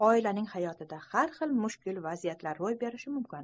oilaning hayotida har xil mushkul vaziyatlar ro'y berishi mumkin